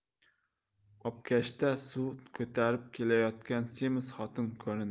obkashda suv ko'tarib kelayotgan semiz xotin ko'rindi